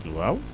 waaw